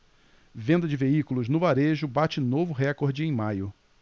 venda de veículos no varejo bate novo recorde em maio